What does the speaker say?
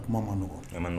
Kuma man nɔgɔ. A man nɔ